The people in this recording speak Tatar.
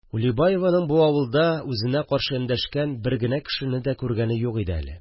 Улибаеваның бу авылда үзенә каршы эндәшкән бер генә кешене дә күргәне юк иде әле